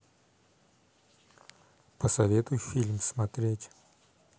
посоветуй фильм смотреть